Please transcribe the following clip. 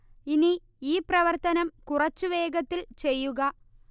ഇനി ഈ പ്രവർത്തനം കുറച്ചു വേഗത്തിൽ ചെയ്യുക